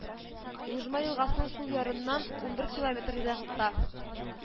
Лужма елгасының сул ярыннан унбер километр ераклыкта